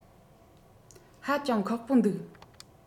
ཧ ཅང ཁག པོ འདུག